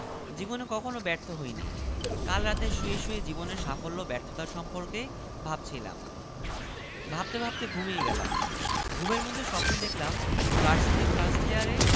মন্ত্রীকে চেম্বারে ঢুকতে দেখে সাইকিয়াট্রিস্ট চেয়ার ছেড়ে উঠে এলেন হ্যান্ডশেক করলেন হাত কচলে বললেন আরে মন্ত্রী মহোদয় যে গরিবের চেম্বারে হাতির পাড়া